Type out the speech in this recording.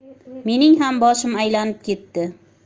mening ham boshim aylanib ketdi